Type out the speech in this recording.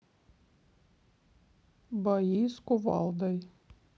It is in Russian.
бои с кувалдой